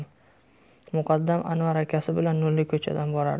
muqaddam anvar akasi bilan nurli ko'chadan borardi